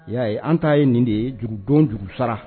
Y'a ye an t ta ye nin de ye jurudon jurusa